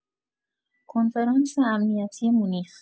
کنفرانس امنیتی مونیخ